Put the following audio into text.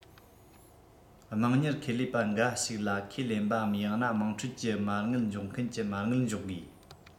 དམངས གཉེར ཁེ ལས པ འགའ ཞིག ལ ཁས ལེན པའམ ཡང ན དམངས ཁྲོད ཀྱི མ དངུལ འཇོག མཁན གྱི མ དངུལ འཇོག དགོས